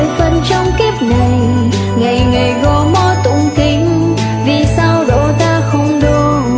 hỏi phật trong kiếp này ngày ngày gõ mõ tụng kinh vì sao độ ta không độ nàng